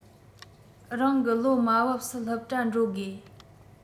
རང གི བློ མ བབས སུ སློབ གྲྭ འགྲོ དགོས